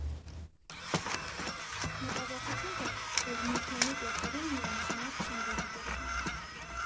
«Մտավախություն կար, որ մուֆլոնի կերպարին միանշանակ չեն վերաբերվի։